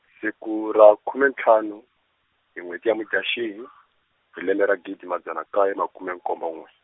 siku ra khume ntlhanu, hi n'wheti ya Mudyaxihi, hi lembe ra gidi madzana nkaye makume nkombo n'we.